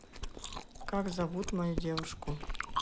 как зовут мою девушку